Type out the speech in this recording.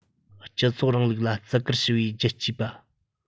སྤྱི ཚོགས རིང ལུགས ལ བརྩི བཀུར ཞུ བའི རྒྱལ གཅེས པ